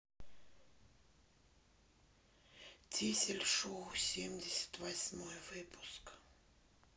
дизель шоу семьдесят восьмой выпуск